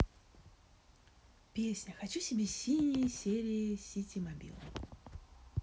песня хочу себе синие серии ситимобил